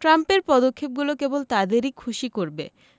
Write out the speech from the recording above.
ট্রাম্পের পদক্ষেপগুলো কেবল তাদেরই খুশি করবে